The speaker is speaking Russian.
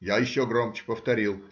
Я еще погромче повторил.